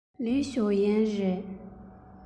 ལིའི ཞའོ ཡན རེད